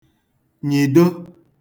nyị̀do